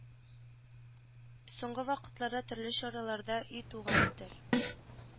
Соңгы вакытларда төрле чараларда и туган тел